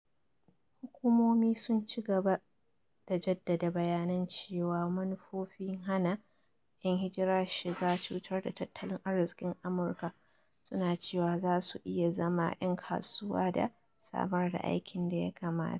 Hukumomi sun ci gaba da jaddada bayyanan cewa manufofin hana ‘yan hijara shiga cutar da tattalin arzikin Amurka, su na cewa za su iya zama 'yan kasuwa da "samar da aikin da ya kamata."